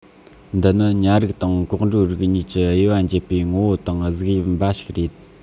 འདི ནི ཉ རིགས དང གོག འགྲོའི རིགས གཉིས ཀྱི དབྱེ བ འབྱེད པའི ངོ བོ དང གཟུགས དབྱིབས འབའ ཞིག རེད